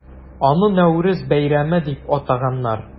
Аны Нәүрүз бәйрәме дип атаганнар.